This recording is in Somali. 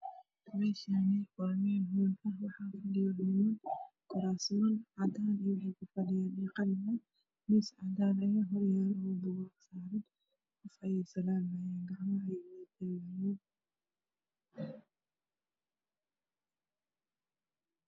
Meeshaani waa meel hool waxaa kuraasman cadaan qof ayey samalaamayan